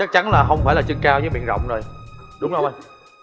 chắc chắn là không phải là chân cao với miệng rộng rồi đúng không anh